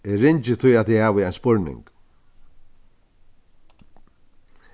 eg ringi tí at eg havi ein spurning